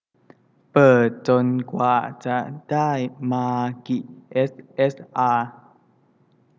เปิดจนกว่าจะได้มากิเอสเอสอา